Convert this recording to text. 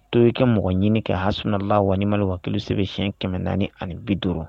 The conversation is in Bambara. Too kɛ mɔgɔ ɲini kɛ hasuna la wali mali wa kilosi bɛyɛnɲɛ kɛmɛ0 naani ani bi duuru rɔ